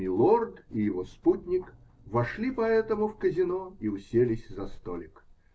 "Милорд" и его спутник вошли поэтому в казино и уселись за столик.